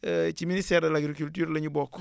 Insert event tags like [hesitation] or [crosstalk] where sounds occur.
[hesitation] ci ministère de l' agriculture la ñu bokk